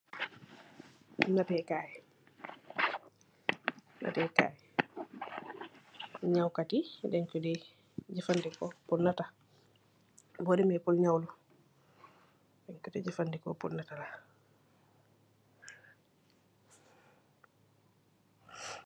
Nataiy kai yii nitt puur nyawuu.